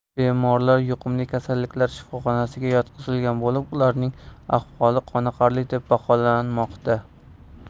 bemorlar yuqumli kasalliklar shifoxonasiga yotqizilgan bo'lib ularning ahvoli qoniqarli deb baholanmoqda